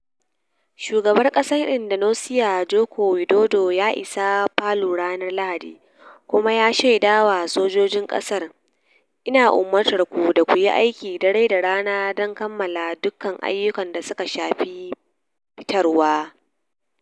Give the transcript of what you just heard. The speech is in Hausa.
Shugaban kasar Indonesiya, Joko Widodo, ya isa Palu ranar Lahadi kuma ya shaidawa sojojin kasar: "Ina umurtar ku duka ku yi aiki dare da rana don kammala dukkan ayyukan da suka shafi fitarwa.